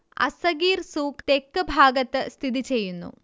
അസ്സഗീർ സൂഖ് തെക്ക് ഭാഗത്ത് സ്ഥിതി ചെയ്യുന്നു